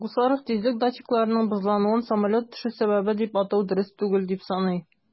Гусаров тизлек датчикларының бозлануын самолет төшү сәбәбе дип атау дөрес түгел дип саный.